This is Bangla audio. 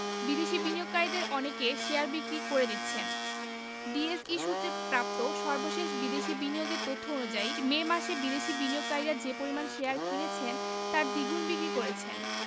বিদেশি বিনিয়োগকারীদের অনেকে শেয়ার বিক্রি করে দিচ্ছেন ডিএসই সূত্রে প্রাপ্ত সর্বশেষ বিদেশি বিনিয়োগের তথ্য অনুযায়ী মে মাসে বিদেশি বিনিয়োগকারীরা যে পরিমাণ শেয়ার কিনেছেন তার দ্বিগুণ বিক্রি করেছেন